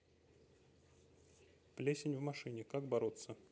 плесень в машине как бороться